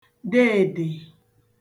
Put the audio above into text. deèdè